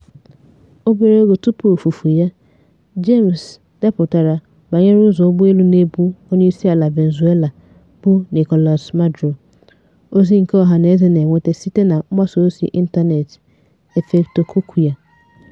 Obere ego tupu ofufu ya, Jaimes depụtara banyere ụzọ ụgbọelu na-ebu Onyeisiala Venezuela bụ Nicolas Maduro, ozi nke ọhanaeze na-enweta site na mgbasaozi ịntanetị Efecto Cocuyo.